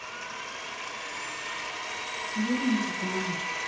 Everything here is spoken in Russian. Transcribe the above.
юные титаны